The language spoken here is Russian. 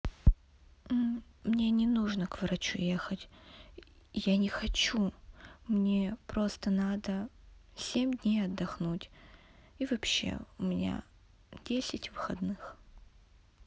мне не нужно к врачу ехать я не хочу мне просто надо семь дней отдохнуть и вообще у меня десять выходных